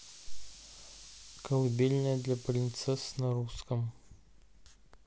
колыбельная для принцесс на русском